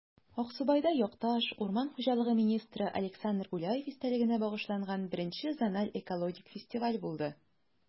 Аксубайда якташ, урман хуҗалыгы министры Александр Гуляев истәлегенә багышланган I зональ экологик фестиваль булды